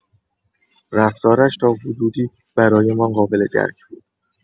رفتارش تا حدودی برایمان قابل‌درک بود.